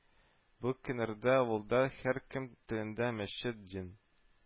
Бу көннәрдә авылда һәркем телендә мәчет, дин